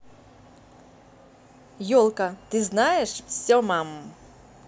елка ты знаешь все мам